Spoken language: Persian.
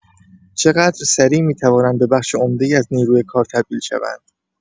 چقدر سریع می‌توانند به بخش عمده‌ای از نیروی کار تبدیل شوند؟